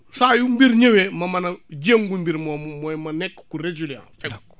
saa yu mbir ñëwee ma man a jéngu mbir moomu mooy ma nekk ku résiliant et